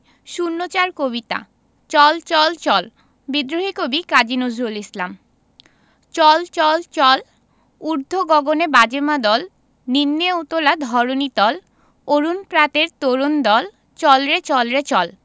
০৪ কবিতা চল চল চল বিদ্রোহী কবি কাজী নজরুল ইসলাম চল চল চল ঊর্ধ্ব গগনে বাজে মাদল নিম্নে উতলা ধরণি তল অরুণ প্রাতের তরুণ দল চল রে চল রে চল